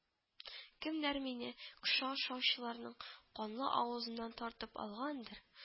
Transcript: Кемнәр мине кеше ашаучыларның канлы авызыннан тартып алгандыр